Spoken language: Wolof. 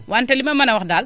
wante li ma mën a wax daal